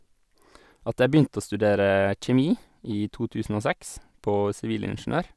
At jeg begynte å studere kjemi i to tusen og seks, på sivilingeniør.